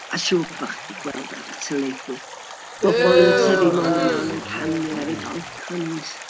A siŵr bo' chi gweld ar y teledu bobl yn trefi mawrion yn canu ar eu balconis.